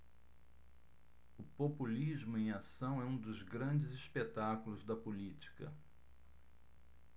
o populismo em ação é um dos grandes espetáculos da política